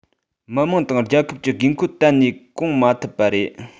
མི དམངས དང རྒྱལ ཁབ ཀྱི དགོས མཁོ གཏན ནས སྐོང མ ཐུབ པ རེད